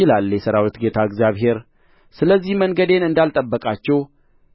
ይላል የሠራዊት ጌታ እግዚአብሔር ስለዚህ መንገዴን እንዳልጠበቃችሁ